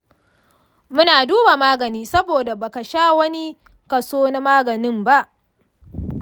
muna duba magani saboda ba ka sha wani kaso na maganin ba.